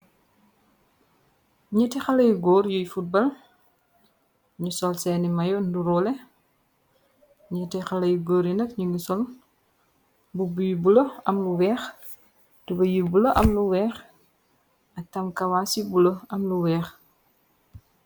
Nyetti xalay góor yuy futbal ñu sol senni mayo nduróole ñetti xalay góor yi nag ñu ngi sol bubu yu bula am lu weex tuba yi bula am lu weex ak tam kawas yi bula am lu weex.